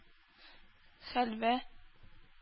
Хәлвә